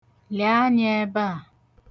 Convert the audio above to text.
Lee anya ebe a!